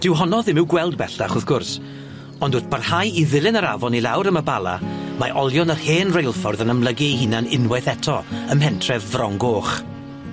Dyw honno ddim i'w gweld bellach wrth gwrs ond wrth barhau i ddilyn yr afon i lawr am y Bala, mae olion yr hen reilffordd yn ymlygu ei hunan unwaith eto ym pentref Fron Goch.